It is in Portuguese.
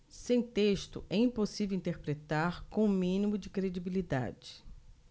sem texto é impossível interpretar com o mínimo de credibilidade